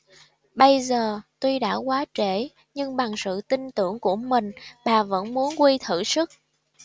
bây giờ tuy đã quá trễ nhưng bằng sự tin tưởng của mình bà vẫn muốn quy thử sức